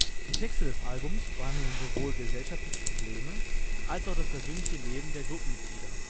Die Texte des Albums behandeln sowohl gesellschaftliche Probleme als auch das persönliche Leben der Gruppenmitglieder